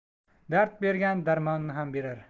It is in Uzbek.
dard bergan darmonini ham berar